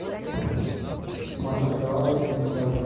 махачкала восьмидесятый